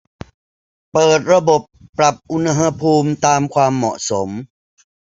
เปิดระบบปรับอุณหภูมิตามความเหมาะสม